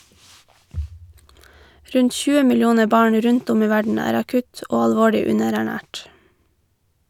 Rundt 20 millioner barn rundt om i verden er akutt og alvorlig underernært.